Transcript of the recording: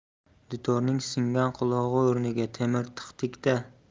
dutorning singan qulog'i o'rniga temir tiqdikda